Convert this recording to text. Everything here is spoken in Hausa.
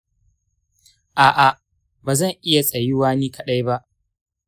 a'a, ba zan iya tsayuwa ni kaɗai ba.